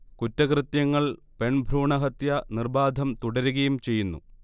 കുറ്റകൃത്യങ്ങൾ, പെൺഭ്രൂണഹത്യ നിർബാധം തുടരുകയും ചെയ്യുന്നു